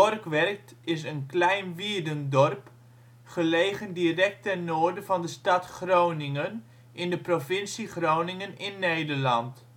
Dörkwerd) is een klein wierdendorp, gelegen direct ten noorden van de stad Groningen in de provincie Groningen in Nederland